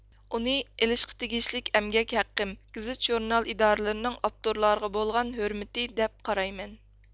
ئۇنى ئېلىشقا تېگىشلىك ئەمگەك ھەققىم گېزىت ژۇرنال ئىدارىلىرىنىڭ ئاپتورلارغا بولغان ھۆرمىتى دەپ قارايمەن